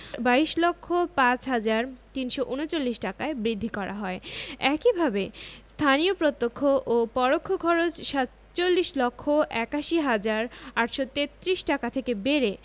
২২ লক্ষ ৫ হাজার ৩৩৯ টাকায় বৃদ্ধি করা হয় একইভাবে স্থানীয় প্রত্যক্ষ ও পরোক্ষ খরচ ৪৭ লক্ষ ৮১ হাজার ৮৩৩ টাকা থেকে বেড়ে